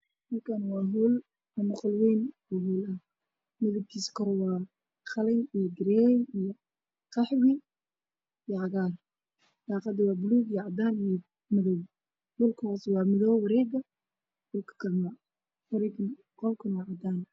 Meeshan wuhuun hoolka kor waxa uu ka yahay haddaan lacagahaas ku jiro hoos wareeggiisa waa madow dhulku waa caddaan qolka dhexdiisa waa caddaan